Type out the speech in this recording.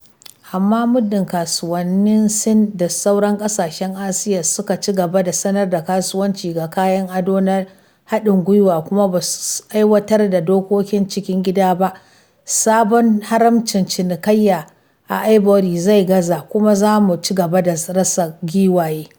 Amma muddin kasuwannin Sin da sauran kasashen Asiya su kaci gaba da samar da kasuwanci ga kayan ado na hadin gwiwa kuma ba su aiwatar da dokokin cikin gida ba, sabon haramcin cinikayya a Ivory zai gaza, kuma za mu ci gaba da rasa giwaye.